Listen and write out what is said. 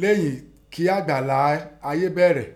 leyìn kẹ́ àgbáálá ayé bẹ̀rẹ̀?